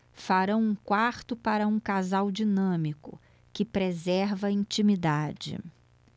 farão um quarto para um casal dinâmico que preserva a intimidade